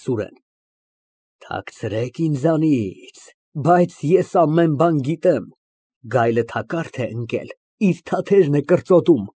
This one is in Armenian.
ՍՈՒՐԵՆ ֊ Հե, թաքցրեք ինձանից, բայց ես ամեն բան գիտեմ, գայլը թակարդ է ընկել, իր թաթերն է կրծոտում։